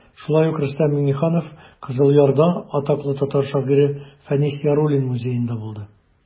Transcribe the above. Шулай ук Рөстәм Миңнеханов Кызыл Ярда атаклы татар шагыйре Фәнис Яруллин музеенда булды.